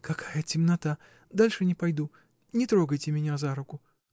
— Какая темнота: дальше не пойду, не трогайте меня за руку!